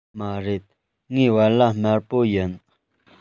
མ རེད ངའི བལ ལྭ དམར པོ ཡིན